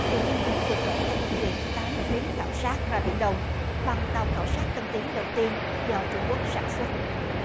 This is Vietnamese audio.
viện nghiên cứu vừa kể đã thực hiện tám chuyến khảo sát ra biển đông bằng tàu khảo sát tân tiến đầu tiên do trung quốc sản xuất